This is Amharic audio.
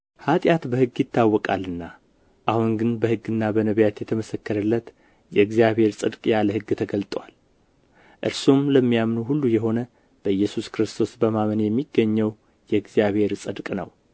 ኃጢአት በሕግ ይታወቃልና አሁን ግን በሕግና በነቢያት የተመሰከረለት የእግዚአብሔር ጽድቅ ያለ ሕግ ተገልጦአል እርሱም ለሚያምኑ ሁሉ የሆነ በኢየሱስ ክርስቶስ በማመን የሚገኘው የእግዚአብሔር ጽድቅ ነው